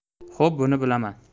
xo'p buni bilaman